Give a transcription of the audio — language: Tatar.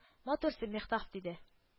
Матур син, Михтаф, диде